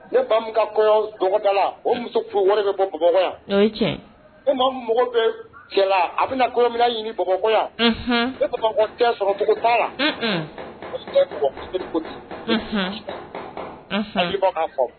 Ne fakɔ dɔgɔda la o muso furu wari bɛ bɔkɔ mɔgɔw bɛ cɛla a bɛ kɔ min ɲini bamakɔkɔ ne cɛ la'a fɔ